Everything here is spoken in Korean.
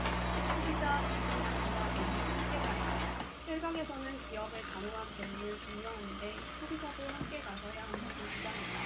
소비자 감정노동자 권리 함께 가야일각에서는 기업의 단호한 대응을 장려하는데 소비자도 함께 나서야 한다고 주장한다